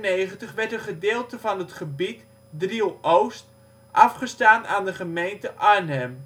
1995 werd een gedeelte van het gebied (Driel Oost) afgestaan aan de gemeente Arnhem